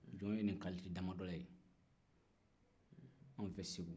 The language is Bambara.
jɔn ye nin suguya damadɔ ye anw fɛ segu